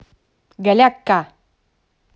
голяк ка